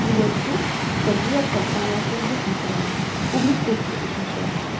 "иго" дигән сүз фәнни яктан аңлашылып бетми торган, публицистик төшенчә.